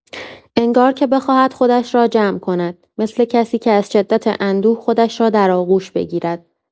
انگار که بخواهد خودش را جمع کند، مثل کسی که از شدت اندوه خودش را در آغوش بگیرد.